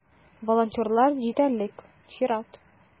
Волонтерлар җитәрлек - чират.